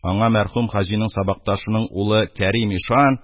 Аңа мәрхүм хаҗиның сабакташының улы Кәрим ишан